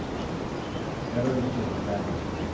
король и шут танец